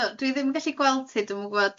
Yndw dwi ddim yn gallu gweld ti dwi'm yn gwbod.